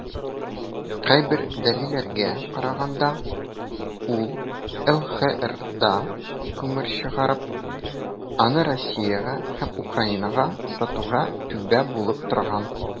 Кайбер дәлилләргә караганда, ул ЛХРда күмер чыгарып, аны Россиягә һәм Украинага сатуга "түбә" булып торган.